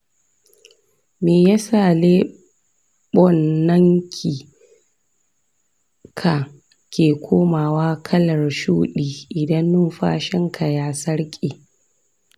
me yasa leɓunanki/ka ke komawa kalar shuɗi idan numfashinka ya sarƙe?